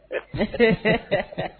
San